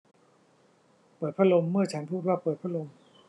เปิดพัดลมเมื่อฉันพูดว่าเปิดพัดลม